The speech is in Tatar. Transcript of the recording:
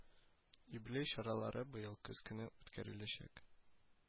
Юбилей чаралары быел көз көне үткәреләчәк